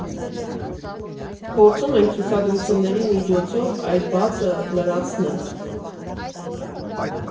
Փորձում ենք ցուցադրությունների միջոցով այդ բացը լրացնել։